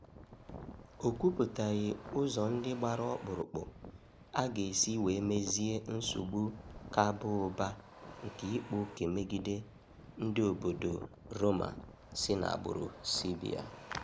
O kwupụtaghị ụzọ ndị gbara ọkpụrụkpụ a ga-esi wee mezie nsogbu ka baa ụba nke ịkpa oke megide ndị obodo Roma si n'agbụru Serbia.